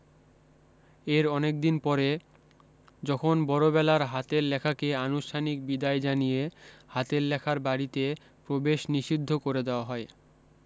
এর অনেকদিন পরে যখন বড়বেলার হাতের লেখাকে আনুষ্ঠানিক বিদায় জানিয়ে হাতের লেখার বাড়ীতে প্রবেশ নিষিদ্ধ করে দেওয়া হয়